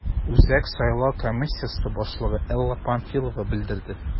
Үзәк сайлау комиссиясе башлыгы Элла Памфилова белдерде: